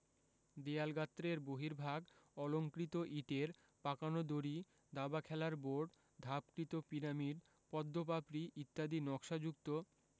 দেয়ালগাত্রের বহির্ভাগ অলঙ্কৃত ইটের পাকানো দড়ি দাবা খেলার বোর্ড ধাপকৃত পিরামিডপদ্ম পাপড়ি ইত্যাদি নকশাযুক্ত